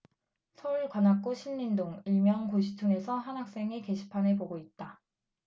서울 관악구 신림동 일명 고시촌에서 한 학생이 게시판을 보고 있다